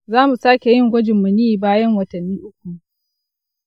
za mu sake yin gwajin maniyyi bayan watanni uku.